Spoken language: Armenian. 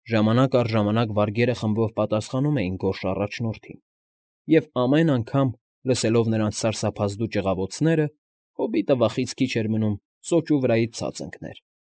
Ժամանակ առ ժամանակ վարգերը խմբով պատասխանում էին գորշ առաջնորդին, և ամեն անգամ, լսելով նրանց սարսափազդու ճղավոցները, հոբիտը վախից քիչ էր մնում սոճու վրայից ցած ընկներ։